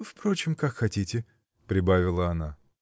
-- впрочем, как хотите, -- прибавила она.